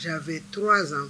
Janfɛ tosan